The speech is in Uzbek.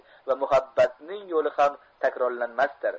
va muhabbatning yo'li ham takrorlanmasdir